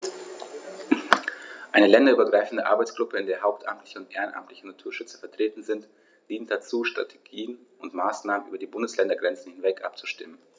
Eine länderübergreifende Arbeitsgruppe, in der hauptamtliche und ehrenamtliche Naturschützer vertreten sind, dient dazu, Strategien und Maßnahmen über die Bundesländergrenzen hinweg abzustimmen.